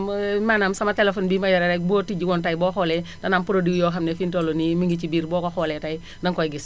maanaam sama téléphone bii ma yore rekk boo tijjiwoon tay boo xoolee dana am produit yoo xam ne fi mu toll nii mi ngi ci biir boo ko xoolee tay danga koy gis